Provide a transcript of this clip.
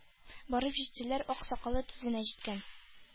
Барып җитсәләр, ак сакалы тезенә җиткән,